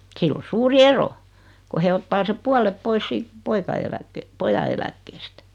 sillä on suuri ero kun he ottaa sen puolet pois siitä poika - pojan eläkkeestä